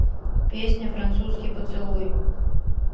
песня французский поцелуй